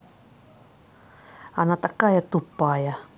она такая тупая